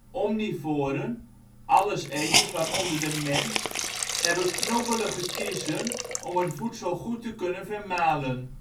Omnivoren (alleseters, waaronder de mens) hebben knobbelige kiezen om het voedsel goed te kunnen vermalen